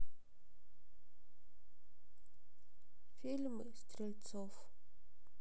фильмы стрельцов